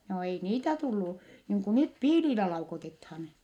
joo ei niitä tullut niin kuin nyt piilillä laukotetaan